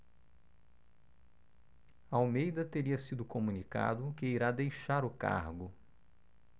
almeida teria sido comunicado que irá deixar o cargo